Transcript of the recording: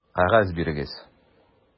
Кәгазь бирегез!